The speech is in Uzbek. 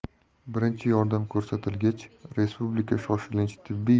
birinchi yordam ko'rsatilgach respublika shoshilinch tibbiy